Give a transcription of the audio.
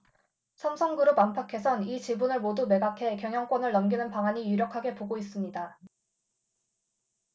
삼성그룹 안팎에선 이 지분을 모두 매각해 경영권을 넘기는 방안이 유력하게 보고 있습니다